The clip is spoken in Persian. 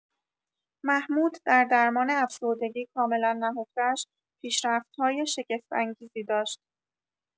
محمود در درمان افسردگی کاملا نهفته‌اش پیشرفت‌های شگفت‌انگیزی داشت.